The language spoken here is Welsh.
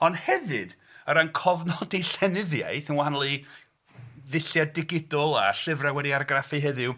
Ond hefyd, o ran cofnodi llenyddiaeth, yn wahanol i ddulliau digidol a llyfrau wedi'u argraffu heddiw...